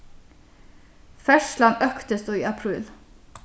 ferðslan øktist í apríl